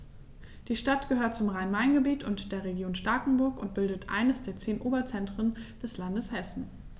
Die Stadt gehört zum Rhein-Main-Gebiet und der Region Starkenburg und bildet eines der zehn Oberzentren des Landes Hessen.